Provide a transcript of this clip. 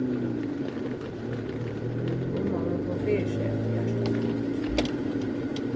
gumma mín kom fyri seg eftir hjartaskurðviðgerð